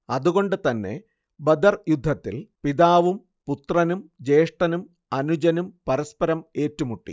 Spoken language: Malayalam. അത് കൊണ്ട് തന്നെ ബദർ യുദ്ധത്തിൽ പിതാവും പുത്രനും ജ്യേഷ്ഠനും അനുജനും പരസ്പരം ഏറ്റുമുട്ടി